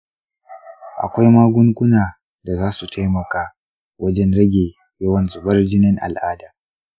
akwai magunguna da za su taimaka wajen rage yawan zubar jinin al’ada.